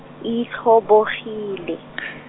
itlhobogile .